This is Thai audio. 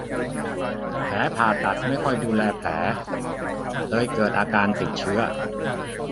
แผลผ่าตัดไม่ค่อยดูแลแผลเลยเกิดอาการติดเชื้อ